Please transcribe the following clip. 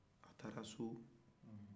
a taara so